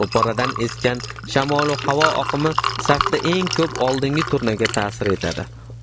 ro'paradan esgan shamolu havo oqimi safda eng ko'p oldingi turnaga ta'sir etadi